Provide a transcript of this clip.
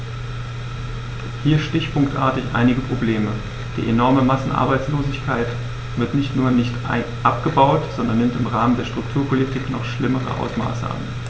Hier stichpunktartig einige Probleme: Die enorme Massenarbeitslosigkeit wird nicht nur nicht abgebaut, sondern nimmt im Rahmen der Strukturpolitik noch schlimmere Ausmaße an.